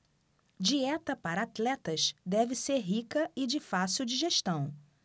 dieta para atletas deve ser rica e de fácil digestão